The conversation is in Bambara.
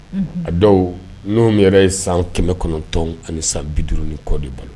A dɔw n'o ɲɔna ye san 950 ni kɔ de balo.